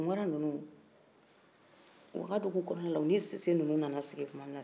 tunkara ninnu wagadu kɔnɔna u ni sise ninnu nana sigi tuma min na